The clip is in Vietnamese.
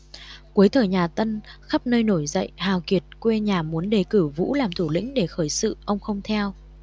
cuối thời nhà tân khắp nơi nổi dậy hào kiệt quê nhà muốn đề cử vũ làm thủ lĩnh để khởi sự ông không theo